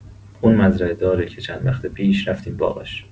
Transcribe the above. اون مزرعه‌داره که چند وقت پیش رفتیم باغش.